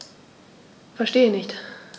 Verstehe nicht.